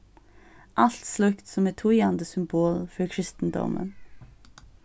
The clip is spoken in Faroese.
alt slíkt sum er týðandi symbol fyri kristindómin